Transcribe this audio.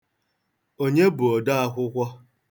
Onye bụ odaakwụkwọ?